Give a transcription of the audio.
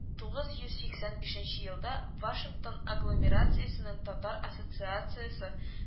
Тугыз йөз сиксән бишенче елда “вашингтон агломерациясенең татар ассоцияциясе